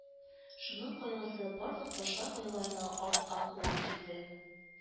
Шуның кайгысы барлык башка кайгыларны артка куа килде